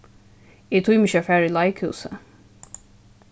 eg tími ikki at fara í leikhúsið